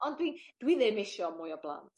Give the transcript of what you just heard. Ond dwi dwi ddim isio mwy o blant.